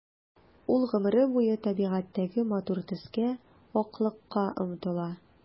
Ул гомере буе табигатьтәге матур төскә— аклыкка омтыла.